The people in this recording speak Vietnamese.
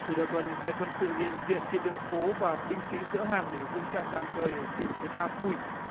từ đầu tuần xe quân sự hiện diện trên đường phố và binh sĩ dỡ hàng để dựng trại tạm thời ở thị trấn a bui